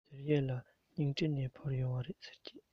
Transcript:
ཟེར ཡས ལ ཉིང ཁྲི ནས དབོར ཡོང བ རེད ཟེར གྱིས